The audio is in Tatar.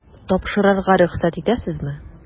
Тапшырырга рөхсәт итәсезме? ..